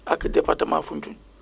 ak département Foundiougne